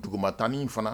Duguman tan fana